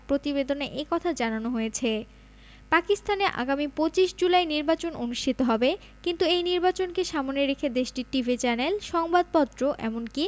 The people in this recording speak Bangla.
প্রতিবেদনে এ কথা জানানো হয়েছে পাকিস্তানে আগামী ২৫ জুলাই নির্বাচন অনুষ্ঠিত হবে কিন্তু এই নির্বাচনকে সামনে রেখে দেশটির টিভি চ্যানেল সংবাদপত্র এমনকি